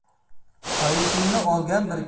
kavushimni olgan bir